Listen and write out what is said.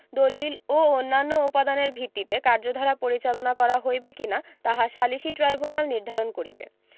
দলিল ও অন্যান্য উপাদানের ভিত্তিতে কার্যধারা পরিচালনা করা হইবে কিনা তাহা সালিসী ট্রাইব্যুনাল নির্ধারণ করিবে